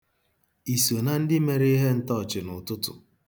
I so na ndị mere ihe ntọọchị n'ụtụtụ?